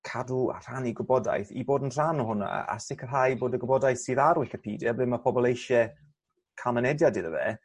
cadw a rhannu gwybodaeth i bod yn rhan o hwnna a a sicirhau bod y gwybodaeth sydd ar wicapedia ble ma' pobol eisie ca'l mynediad iddo fe